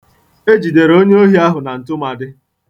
E jidere onyeohi ahụ na ntụmadị